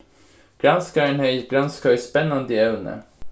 granskarin hevði granskað í spennandi evni